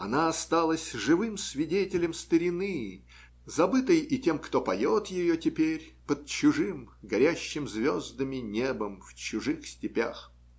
она осталась живым свидетелем старины, забытой и тем, кто поет ее теперь под чужим, горящим звездами небом, в чужих степях.